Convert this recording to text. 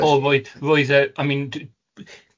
Oh roedd. Roedd e... I mean dw- dw-